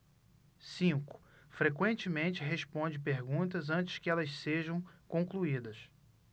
cinco frequentemente responde perguntas antes que elas sejam concluídas